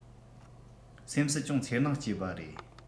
སེམས སུ ཅུང འཚེར སྣང སྐྱེ བ རེད